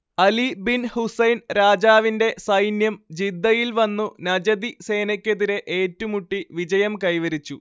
Ali bin Hussein രാജാവിന്റെ സൈന്യം ജിദ്ദയിൽ വന്നു നജദി സേനക്കെതിരെ ഏറ്റു മുട്ടി വിജയം കൈവരിച്ചു